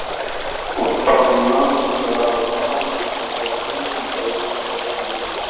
Остазыннан уздыра алмаган шәкертнең бәясе бер тиен.